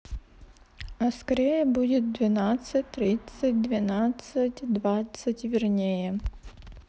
а скоро будет двенадцать тридцать двенадцать двадцать вернее